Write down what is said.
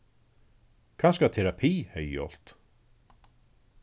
kanska terapi hevði hjálpt